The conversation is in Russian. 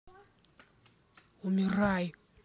умирай